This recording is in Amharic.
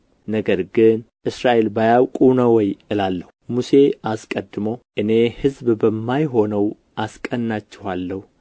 ነገር ግን እስራኤል ባያውቁ ነው ወይ እላለሁ ሙሴ አስቀድሞ እኔ ሕዝብ በማይሆነው አስቀናችኋለሁ